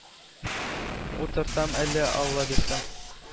Утыртам әле, аллабирса.